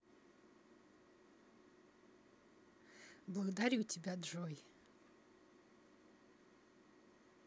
благодарю тебя джой